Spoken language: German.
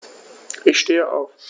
Ich stehe auf.